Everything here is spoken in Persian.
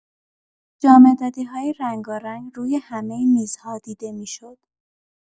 جامدادی‌های رنگارنگ روی همه میزها دیده می‌شد.